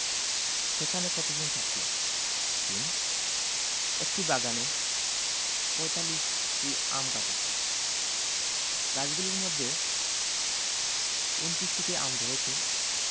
সেখানে কতজন ছাত্রী আছে ৩ একটি বাগানে ৪৫টি আম গাছ আছে গাছগুলোর মধ্যে ২৯টিতে আম ধরেছে